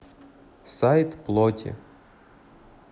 сайт плоти